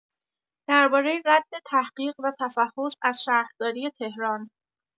درباره رد تحقیق و تفحص از شهرداری تهران